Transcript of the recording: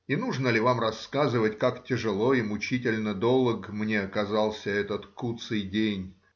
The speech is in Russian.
И нужно ли вам рассказывать, как тяжело и мучительно долог мне казался этот куцый день?